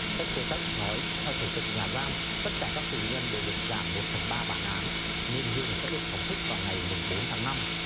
tếch pô tếch nói theo thủ tục nhà giam tất cả các tù nhân đều được giảm một phần ba bản án nên hương sẽ được phóng thích vào ngày mùng bốn tháng năm